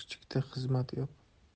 kichikda xizmat yo'q